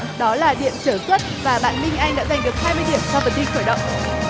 đó là điện trở suất và bạn minh anh đã giành được hai mươi điểm cho phần thi khởi động